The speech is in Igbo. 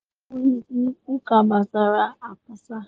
Labour abughịzị ụka gbasara agbasa.